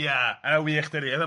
Ie, ma'n wych dydi?